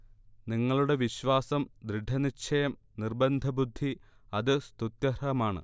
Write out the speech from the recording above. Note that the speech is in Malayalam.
നിങ്ങളുടെ വിശ്വാസം, ദൃഢനിശ്ചയം നിർബന്ധബുദ്ധി അത് സ്തുത്യർഹമാണ്